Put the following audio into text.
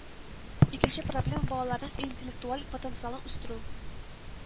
Икенче проблема Балаларның интеллектуаль потенциалын үстерү